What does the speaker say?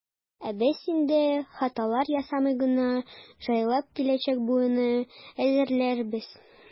Ә без инде, хаталар ясамый гына, җайлап киләчәк буынны әзерләрбез.